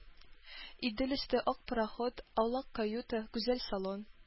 Идел өсте, ак пароход, аулак каюта, гүзәл салон